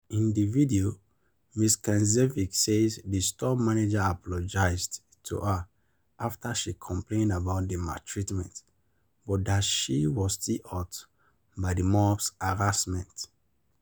In the video, Ms Knežević says the store manager apologized to her after she complained about the maltreatment, but that she was still hurt by the mob's harassment.